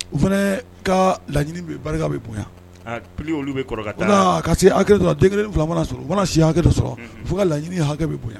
U fana ka laɲini barika bɛ bonya p olu se hakɛ kelen sɔrɔ u mana si hakɛ dɔ sɔrɔ fo ka laɲiniini hakɛ bɛ bonyayan